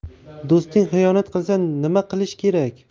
do'sting xiyonat qilsa nima qilish kerak